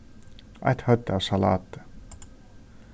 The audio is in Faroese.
eitt høvd av salati